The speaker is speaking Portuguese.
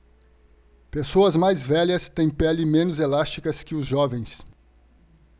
pessoas mais velhas têm pele menos elástica que os jovens